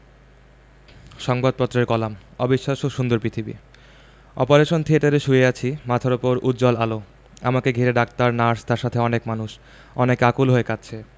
সংবাদপত্রের কলাম অবিশ্বাস্য সুন্দর পৃথিবী অপারেশন থিয়েটারে শুয়ে আছি মাথার ওপর উজ্জ্বল আলো আমাকে ঘিরে ডাক্তার নার্স তার সাথে অনেক মানুষ অনেকে আকুল হয়ে কাঁদছে